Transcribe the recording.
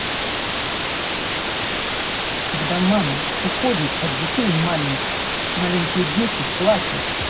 когда мама уходит от детей маленьких маленькие дети плачут